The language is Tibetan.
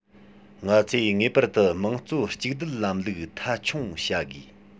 ང ཚོས ངེས པར དུ དམངས གཙོ གཅིག སྡུད ལམ ལུགས མཐའ འཁྱོངས བྱ དགོས